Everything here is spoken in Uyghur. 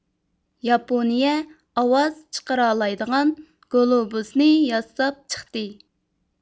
ياپونىيە ئاۋاز چىقىرالايدىغان گولوبۇسنى ياساپ چىقتى